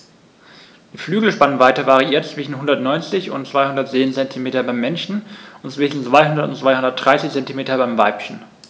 Die Flügelspannweite variiert zwischen 190 und 210 cm beim Männchen und zwischen 200 und 230 cm beim Weibchen.